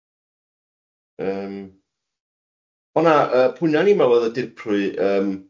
Yym... O na, y pwy 'na o'n i'n meddwl o'dd y dirprwy, yym.